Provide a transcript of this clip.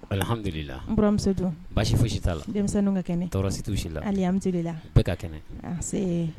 Alihamdulami baasi foyi si t'a la denmisɛnmini ka kɛnɛ tɔɔrɔ t' si la alimi la ka kɛnɛ